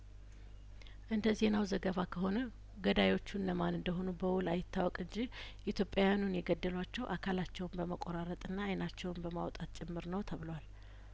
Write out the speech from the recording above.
እንደ ዜናው ዘገባ ከሆነ ገዳዮቹ እነማን እንደሆኑ በውል አይታወቅ እንጂ ኢትዮጵያውያኑን የገደሏቸው አካላቸውን በመቆራረጥና አይናቸውን በማውጣት ጭምር ነው ተብሏል